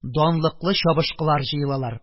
Данлыклы чабышкылар җыелалар.